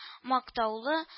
Мактаулы